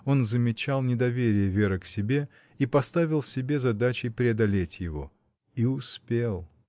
Он замечал недоверие Веры к себе и поставил себе задачей преодолеть его — и успел.